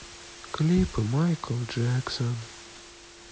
клипы майкл джексон